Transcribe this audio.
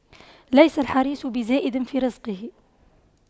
ليس الحريص بزائد في رزقه